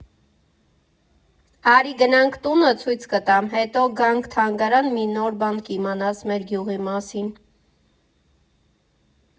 Արի գնանք տունը ցույց տամ, հետո գանք թանգարան՝ մի նոր բան կիմանաս մեր գյուղի մասին։